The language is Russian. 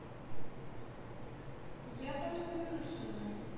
я потом вернусь сюда